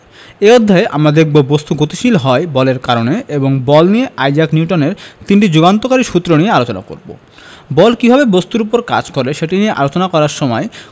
এই অধ্যায়ে আমরা দেখব বস্তু গতিশীল হয় বলের কারণে এবং বল নিয়ে আইজাক নিউটনের তিনটি যুগান্তকারী সূত্র নিয়ে আলোচনা করব বল কীভাবে বস্তুর উপর কাজ করে সেটি নিয়ে আলোচনা করার সময়